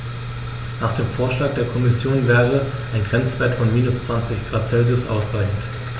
Nach dem Vorschlag der Kommission wäre ein Grenzwert von -20 ºC ausreichend.